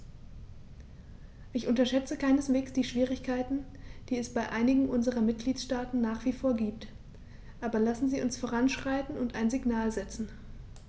Ich unterschätze keineswegs die Schwierigkeiten, die es bei einigen unserer Mitgliedstaaten nach wie vor gibt, aber lassen Sie uns voranschreiten und ein Signal setzen.